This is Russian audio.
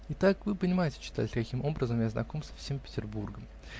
Итак, вы понимаете, читатель, каким образом я знаком со всем Петербургом.